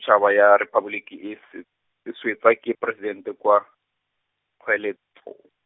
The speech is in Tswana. tshaba ya Repaboliki e sw-, e swetswa ke poresidente kwa, kgoeletso.